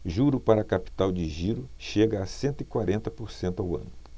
juro para capital de giro chega a cento e quarenta por cento ao ano